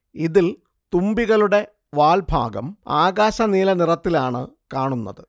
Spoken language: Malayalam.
ഇതിൽ തുമ്പികളുടെ വാൽ ഭാഗം ആകാശനീല നിറത്തിലാണ് കാണുന്നത്